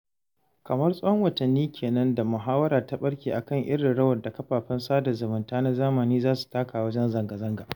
Kamar tsawon watanni ke nan da muhawara ta ɓarke a kan irin rawar da kafafen sada zumunta na zamani za su taka wajen zanga-zanga.